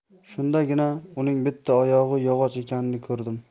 shundagina uning bitta oyog'i yog'och ekanini ko'rdim